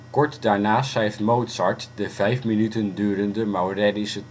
Kort daarna schrijft Mozart de vijf minuten durende Maurerische